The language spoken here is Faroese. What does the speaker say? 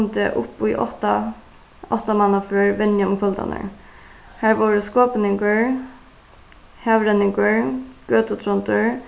kundi upp í átta áttamannafør venja um kvøldarnar har vóru skopuningur havrenningur gøtu tróndur